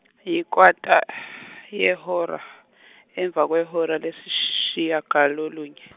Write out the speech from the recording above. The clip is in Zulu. yikwata yehora emva kwehora lesishiyagalolunye .